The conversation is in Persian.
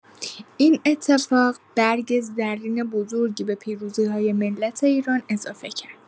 این اتفاق، برگ زرین بزرگی به پیروزی‌های ملت ایران اضافه کرد.